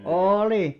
oli